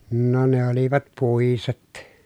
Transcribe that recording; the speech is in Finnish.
no ne olivat puiset